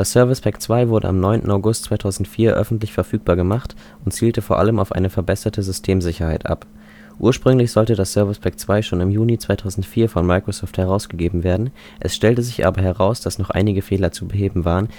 Service Pack 2 wurde am 9. August 2004 öffentlich verfügbar gemacht und zielte vor allem auf eine verbesserte Systemsicherheit ab. Ursprünglich sollte das Service Pack 2 schon im Juni 2004 von Microsoft herausgegeben werden, es stellte sich aber heraus, dass noch einige Fehler zu beheben waren